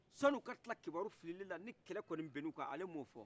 yani u ka tila kibaru filili la ni kɛlɛ kɔni bin na u kan ale ma o fɔ